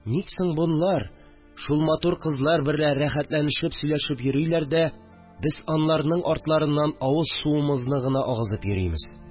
Ник соң болар шул матур кызлар берлә рәхәтләнешеп сөйләшеп йөриләр дә, без аларның артларынан авыз суымызны гына агызып йөримез